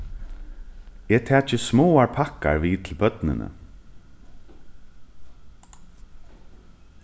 eg taki smáar pakkar við til børnini